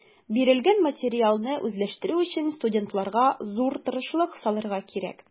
Бирелгән материалны үзләштерү өчен студентларга зур тырышлык салырга кирәк.